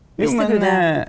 visste du det?